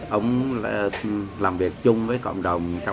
ông là làm việc chung với cộng đồng trong